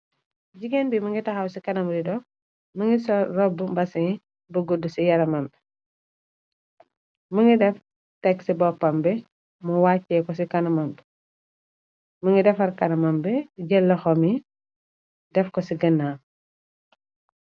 Jigéen bi minge taxaw ci kanam rido mi ngi ca robb mbasi bu gudd ci yaramambi mingi def teg ci boppam bi mu wàccee ko ci kanamambi mi ngi defar kanamambi jëlle loxo mi def ko ci gënnaaw.